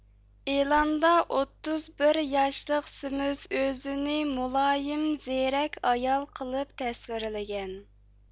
ئېلاندا ئوتتۇز بىر ياشلىق سىمس ئۆزىنى مۇلايىم زېرەك ئايال قىلىپ تەسۋىرلىگەن